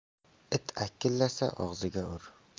it akillasa og'ziga ur